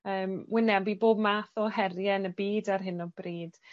yym wynebu bob math o herie yn y byd ar hyn o bryd.